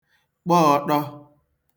gba ọṭọ